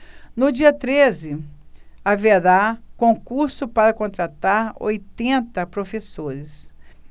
no dia treze haverá concurso para contratar oitenta professores